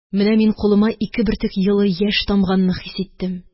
Менә мин кулыма ике бөртек йылы яшь тамганны хис иттем,